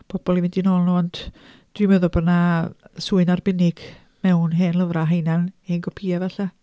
pobl i fynd i nôl nhw ond dwi'n meddwl bod 'na swyn arbennig mewn hen lyfrau a rheina'n hen gopïau falle